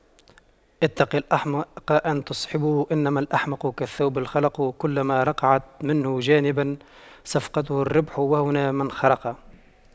اتق الأحمق أن تصحبه إنما الأحمق كالثوب الخلق كلما رقعت منه جانبا صفقته الريح وهنا فانخرق